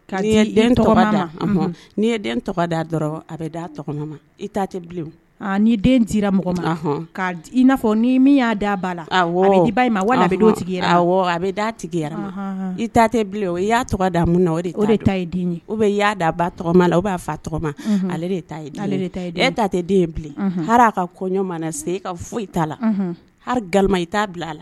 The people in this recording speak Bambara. Kai ye den tɔgɔ da a bɛ ma i ni den dira mɔgɔ ma i'a fɔ n' min da ba la i ba ma wa a tigi a bɛ da tigi a ma i t ta tɛ o i'a tɔgɔ da na o o de ta den ye o bɛ' da a ba tɔgɔ la o b'a fa tɔgɔma ale de ta ale e ta tɛ bilen ha ka kɔ mana se ka foyi i ta la ha ga i t'a bila a la